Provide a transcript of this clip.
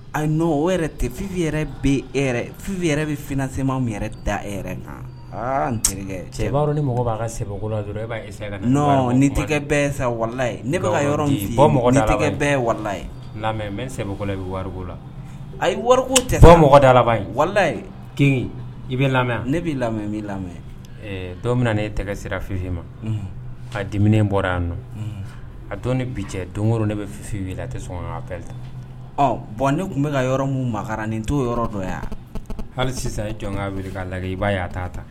A n' o yɛrɛ fi yɛrɛ bɛ e fi yɛrɛ bɛ finɛ sema min yɛrɛ da e yɛrɛ kan n terikɛ cɛ b'a ni mɔgɔ b'a kako la e' tɛgɛla ne bɔ tɛgɛla ye mɛ sɛ i bɛ warila a ye wariko tɛ mɔgɔ da laban warila kin i bɛ lamɛn ne b'i lamɛn b'i lamɛn dɔw min ne tɛgɛ sira fifin ma ka di bɔra yan nɔ a dɔn ni bi cɛ donkoro ne bɛ fi a tɛ bɔn ne tun bɛ ka yɔrɔ min ma ni to yɔrɔ dɔ yan hali sisan ye jɔn' jira ka la i b'a' a ta ta